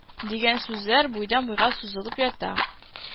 Дигән сүзләр буйдан-буйга сузылып ята